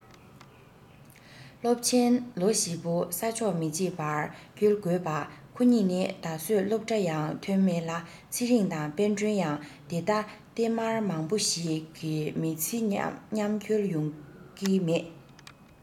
སློབ ཆེན ལོ བཞི པོ ས ཕྱོགས མི གཅིག པར བསྐྱོལ དགོས པ ཁོ གཉིས ནི ད གཟོད སློབ གྲྭ ཡང ཐོན མེད ལ ཚེ རིང དང དཔལ སྒྲོན ཡང དེ ལྟ སྟེ མར མང པོ ཞིག མི ཚེ མཉམ འཁྱོལ ཡོང གི མེད